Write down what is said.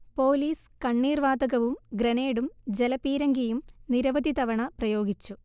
police കണ്ണീർ വാതകവും ഗ്രനേഡും ജലപീരങ്കിയും നിരവധി തവണ പ്രയോഗിച്ചു